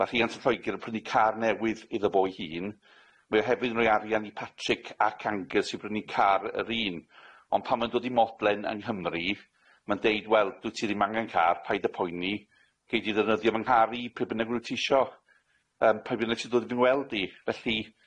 Ma' rhiant yn Lloegr yn prynu car newydd iddo fo 'i hun. Mae o hefyd yn roi arian i Patrick ac Angus i brynu car yr un. Ond pan ma'n dod i Modlen yng Nghymru, ma'n deud, Wel dwyt ti ddim angen car, paid â poeni, gei di ddefnyddio fy nghar i pe bynnag rwyt ti isio, yym pry' bynnag ti'n dod i fy ngweld i. Felly-